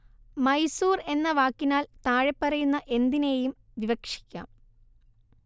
മൈസൂർ എന്ന വാക്കിനാൽ താഴെപ്പറയുന്ന എന്തിനേയും വിവക്ഷിക്കാം